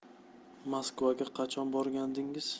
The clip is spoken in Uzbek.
moskvaga qachon borgandingiz